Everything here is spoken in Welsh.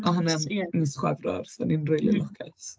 Oedd... neis ie...hwnna'n mis Chwefror, so o'n i'n... m-hm. ...rili lwcus.